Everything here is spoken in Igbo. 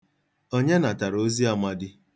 Onye natara ozi Amadi?